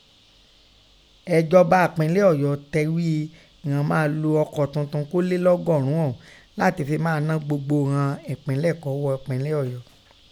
Ẹ̀jọba ẹ̀pinlẹ Oyọ tẹ ghí ìghọn máa lo ọkọ tuntun kó le lọgọrun ọ̀ún latin fin maa na gbogbo ìghọn ẹ̀pinlẹ kọ́ ghọ ẹ̀pinlẹ Ọyọ.